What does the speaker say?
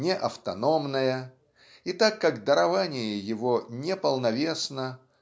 не автономная и так как дарование его не полновесно